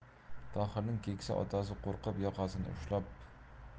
tohirning keksa otasi qo'rqib